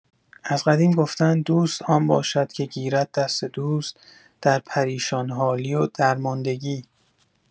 از قدیم گفتن "دوست آن باشد که گیرد دست دوست، در پریشان‌حالی و درماندگی".